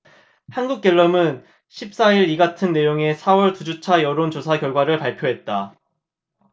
한국갤럽은 십 사 일 이같은 내용의 사 월 두 주차 여론조사 결과를 발표했다